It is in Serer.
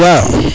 waaw